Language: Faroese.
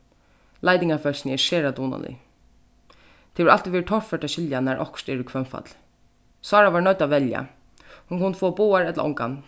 leitingarfólkini eru sera dugnalig tað hevur altíð verið torført at skilja nær okkurt er í hvønnfalli sára var noydd at velja hon kundi fáa báðar ella ongan